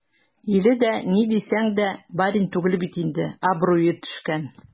Ире дә, ни дисәң дә, барин түгел бит инде - абруе төшкән.